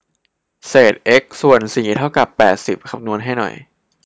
เศษเอ็กซ์ส่วนสี่เท่ากับแปดสิบคำนวณให้หน่อย